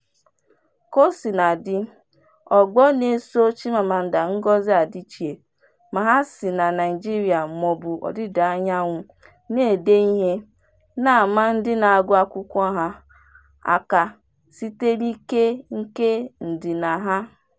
Kaosinadị, ọgbọ na-eso Chimamanda Ngozi Adichie, ma ha si na Naịjirịa maọbụ Ọdịdaanyanwụ na-ede ihe, na-ama ndị na-agụ akwụkwọ ha aka site n'ike nke ndịna ha.